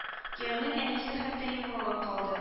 Кияүнең әнисе хәтта югалып калды